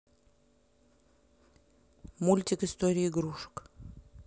мультик история игрушек